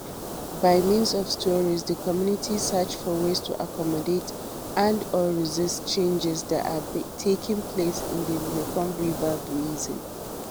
By means of stories, the communities search for ways to accommodate and/or resist changes that are taking place in the Mekong river basin.